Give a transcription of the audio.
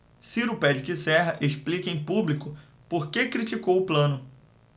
ciro pede que serra explique em público por que criticou plano